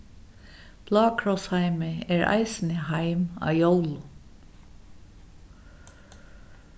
blákrossheimið er eisini heim á jólum